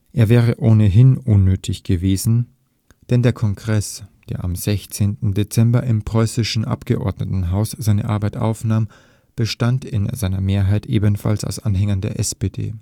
Er wäre ohnehin unnötig gewesen. Denn der Kongress, der am 16. Dezember im Preußischen Abgeordnetenhaus seine Arbeit aufnahm, bestand in seiner Mehrheit ebenfalls aus Anhängern der SPD